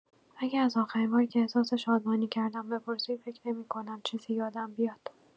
اگه از آخرین باری که احساس شادمانی کردم بپرسین، فکر نمی‌کنم چیزی یادم بیاد.